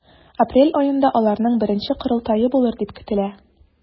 Апрель аенда аларның беренче корылтае булыр дип көтелә.